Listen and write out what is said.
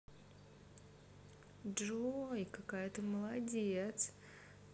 джой какая ты молодец